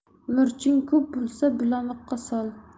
murching ko'p bo'lsa bulamiqqa sol